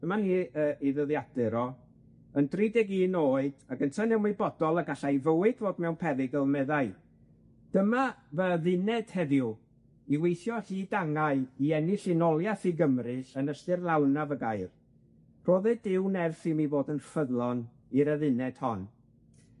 dyma ni yy 'i ddyddiadur o, yn dri deg un oed, ac yntau'n ymwybodol y galla'i fywyd fod mewn perygl, meddai. Dyma fy adduned heddiw i weithio hyd angau i ennill unoliath i Gymru, yn ystyr lawnaf y gair. Rhoddid Duw nerth i mi fod yn ffyddlon i'r adduned hon.